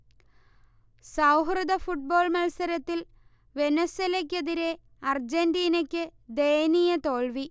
സൗഹൃദ ഫുട്ബോൾ മത്സരത്തിൽ വെനസ്വലക്കെതിരെ അർജന്റീനക്ക് ദയനീയ തോൽവി